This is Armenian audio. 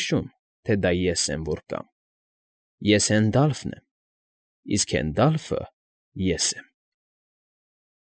Հիշում, թե դա ես եմ որ կամ։ Ես Հենդալֆն եմ, իսկ Հենդալֆը՝ ես եմ։